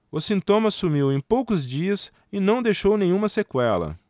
o sintoma sumiu em poucos dias e não deixou nenhuma sequela